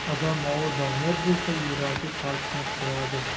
odamovi doniyor bo'lsa yuragi talpinib turadi